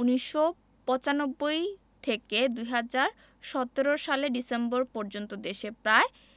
১৯৯৫ থেকে ২০১৭ সালের ডিসেম্বর পর্যন্ত দেশে প্রায়